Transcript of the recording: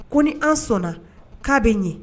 Ko ni an sɔnna k'a bɛ n ɲɛ